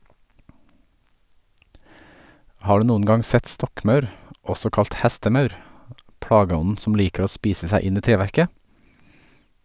Har du noen gang sett stokkmaur, også kalt hestemaur, plageånden som liker å spise seg inn i treverket?